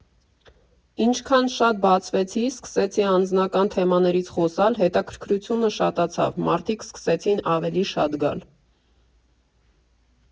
Ինչքան շատ բացվեցի, սկսեցի անձնական թեմաներից խոսել հետաքրքրությունը շատացավ, մարդիկ սկսեցին ավելի շատ գալ։